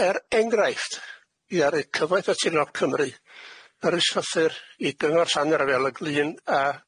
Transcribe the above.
Wel er enghraifft, i aru cyfath y Tirol Cymru, yr ischysir i gyngor Llanerfael y Glyn a